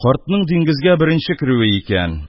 Картның диңгезгә беренче керүе икән.